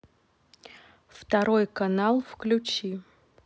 второй канал включи